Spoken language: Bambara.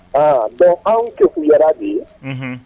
Aa dɔn anw kɛ u yɛrɛ de ye